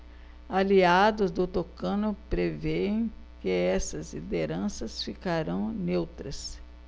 aliados do tucano prevêem que essas lideranças ficarão neutras